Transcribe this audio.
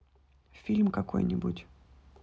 фильм какой нибудь